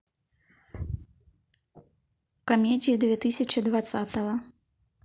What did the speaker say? комедии две тысячи двадцатого